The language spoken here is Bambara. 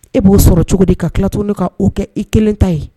E b'o sɔrɔ cogo di ka tila tuguni ka o kɛ i kelen ta ye